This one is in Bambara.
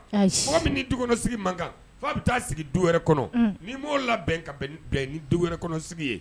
Fɔ bɛ ni dukɔnɔsigi man kan fɔ bɛ taa sigi du wɛrɛ kɔnɔ ni'o labɛn ka bɛn ni du wɛrɛ kɔnɔsigi ye